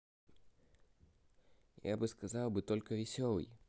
я бы сказал бы только веселый